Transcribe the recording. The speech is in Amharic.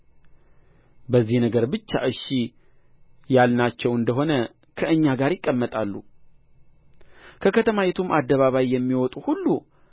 በዚህ ነገር ብቻ እሺ ያልናቸው እንደ ሆነ ከእኛ ጋር ይቀመጣሉ ከከተማይቱም አደባባይ የሚወጡ ሁሉ